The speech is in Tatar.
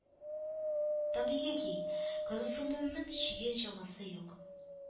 Табигый ки, кызыксынуымның чиге-чамасы юк